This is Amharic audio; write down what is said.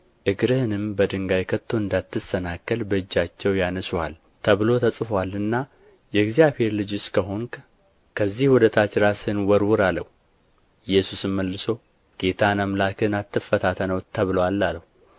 እግርህንም በድንጋይ ከቶ እንዳትሰናከል በእጃቸው ያነሡሃል ተብሎ ተጽፎአልና የእግዚአብሔር ልጅስ ከሆንህ ከዚህ ወደ ታች ራስህን ወርውር አለው ኢየሱስም መልሶ ጌታን አምላክህን አትፈታተነው ተብሎአል አለው